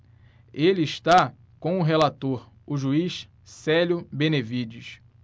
ele está com o relator o juiz célio benevides